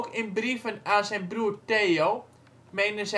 in brieven aan zijn broer Theo menen